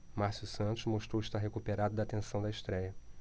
márcio santos mostrou estar recuperado da tensão da estréia